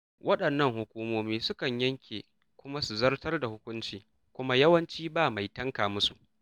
Waɗannan hukumomi su kan yanke kuma su zartar da hukunci kuma yawanci ba mai tanka musu.